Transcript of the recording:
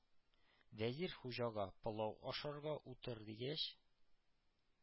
Вәзир Хуҗага, пылау ашарга утыр, дигәч,